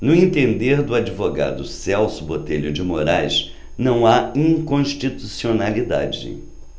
no entender do advogado celso botelho de moraes não há inconstitucionalidade